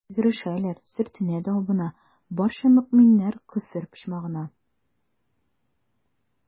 Йөгерешәләр, сөртенә дә абына, барча мөэминнәр «Көфер почмагы»на.